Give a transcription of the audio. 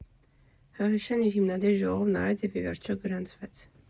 ՀՀՇ֊ն իր հիմնադիր ժողովն արեց և ի վերջո գրանցվեց։